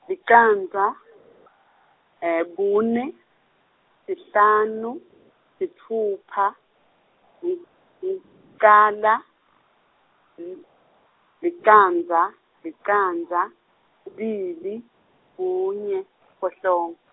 licandza, kune, sihlanu, sitfupha, li, licala, li licandza licandza, kubili, kunye, siphohlongo.